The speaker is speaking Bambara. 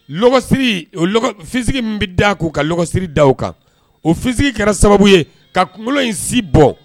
fsigi min bɛ da k'u ka siri da kan o fsigi kɛra sababu ye ka kunkolo in si bɔ